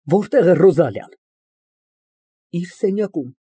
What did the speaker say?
Ո՞րտեղ է Ռոզալիան։ ՄԱՐԳԱՐԻՏ ֊ Իր սենյակում։